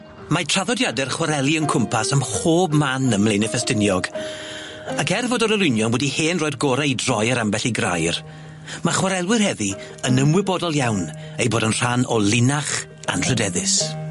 Mae traddodiade'r chwareli o'n cwmpas ym mhob man ym Mlaene Ffestiniog ac er fod yr olwynion wedi hen roi'r gore i droi ar ambell i grair ma' chwarelwyr heddi yn ymwybodol iawn eu bod yn rhan o linach anrhydeddus.